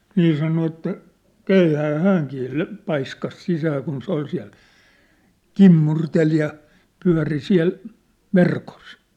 niin sanoi että keihään hänkin - paiskasi sisään kun se oli siellä kimmurteli ja pyöri siellä verkossa